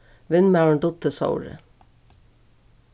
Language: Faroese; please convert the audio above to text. vinmaðurin dugdi sovorðið